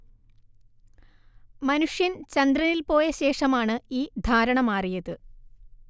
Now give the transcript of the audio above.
മനുഷ്യൻ ചന്ദ്രനിൽ പോയ ശേഷമാണ് ഈ ധാരണ മാറിയത്